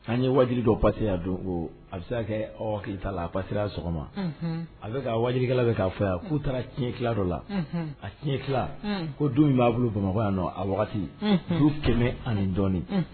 An' ye wajibi dɔ pasiya don a bɛ se kɛ' pasi sɔgɔma a bɛ ka waatijibikala bɛ k'a fɔya k'u taara tiɲɛɲɛ ki dɔ la a ti tiɲɛ tila ko dun b'a bolo bamakɔya nɔ a waati duu kɛmɛ ani dɔɔnin